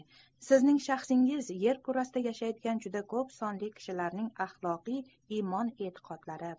sizning shaxsingiz yer kurrasida yashaydigan juda ko'p sonli kishilarning axloqiy imon e'tiqodlari